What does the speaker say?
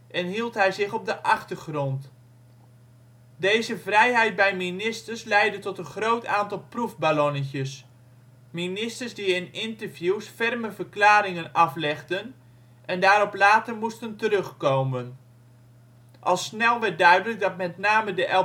en hield hij zich op de achtergrond. Deze vrijheid bij ministers leidde tot een groot aantal proefballonnetjes: ministers die in interviews ferme statements maakten en daarop later moesten terugkomen. Al snel werd duidelijk dat met name de